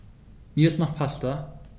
Mir ist nach Pasta.